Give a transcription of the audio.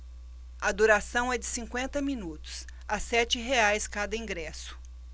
a duração é de cinquenta minutos a sete reais cada ingresso